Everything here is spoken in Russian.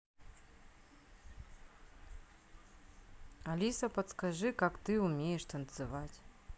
алиса подскажи как ты умеешь танцевать